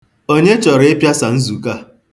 Onye chọrọ ịpịasa nzukọ a.